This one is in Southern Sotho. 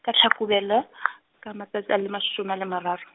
ka Hlakubele , ka matsatsi a le mashome a le mararo.